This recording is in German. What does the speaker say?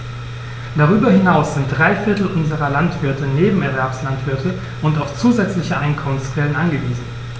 Darüber hinaus sind drei Viertel unserer Landwirte Nebenerwerbslandwirte und auf zusätzliche Einkommensquellen angewiesen.